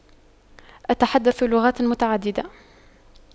أتحدث لغات متعددة